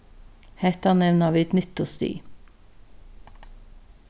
hetta nevna vit nyttustig